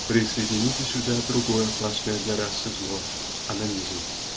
Присоедините сюда другое опасное Для расы зло -- онанизм.